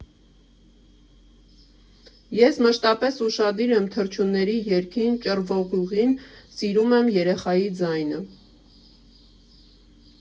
Ես մշտապես ուշադիր եմ թռչյունների երգին, ճռվողյունին, սիրում եմ երեխայի ձայնը։